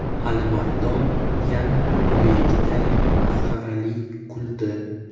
alimardon yana boyagiday masxarali kuldi